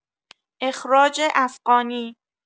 اخراج افغانی